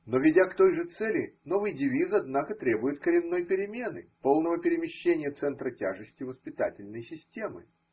Но, ведя к той же цели, новый девиз, однако, требует коренной перемены, полного перемещения центра тяжести воспитательной системы.